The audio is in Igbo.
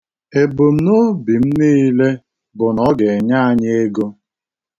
Ebumnobi m niile bụ na ọ ga-enye anyị ego.